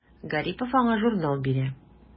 Гарипов аңа журнал бирә.